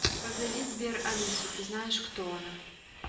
позови сбер алису ты знаешь кто она